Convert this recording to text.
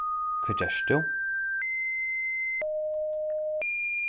hvat gert tú